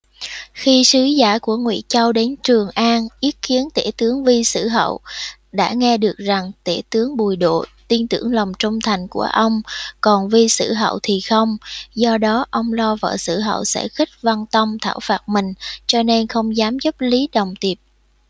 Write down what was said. khi sứ giả của ngụy châu đến trường an yết kiến tể tướng vi xử hậu đã nghe được rằng tể tướng bùi độ tin tưởng lòng trung thành của ông còn vi xử hậu thì không do đó ông lo vợ xử hậu sẽ khích văn tông thảo phạt mình cho nên không dám giúp lý đồng tiệp